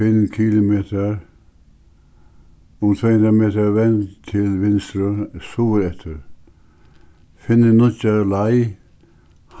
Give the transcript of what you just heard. fimm kilometrar um tvey hundrað metrar vend til vinstru suðureftir finni nýggja leið